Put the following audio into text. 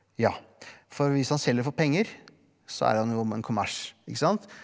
ja for hvis han selger for penger så er han jo en kommers, ikke sant?